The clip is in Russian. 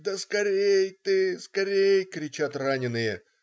"Да скорей ты, скорей!" - кричат раненые.